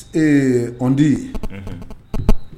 Ee on dit ; unhun.